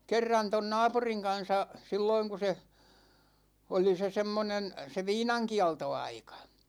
kerran tuon naapurin kanssa silloin kun se oli se semmoinen se viinankieltoaika